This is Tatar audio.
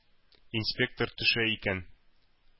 Инспектор төшә икән.